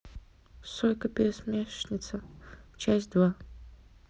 сойка пересмешница часть два